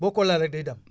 boo ko laalee rekk day damm